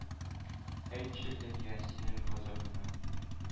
Әйтче, дөнья, синең газабыңа